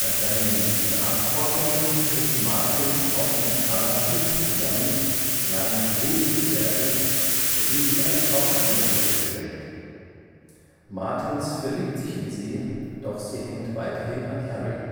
seinen Nachforschungen trifft Martins auch mit Anna Schmidt zusammen, Limes Lebensgefährtin, die sich als Schauspielerin durchschlägt. Martins verliebt sich in sie, doch sie hängt weiterhin an Harry